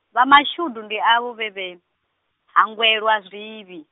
vha mashudu ndi avho vhe vhe, hangwelwa zwivhi.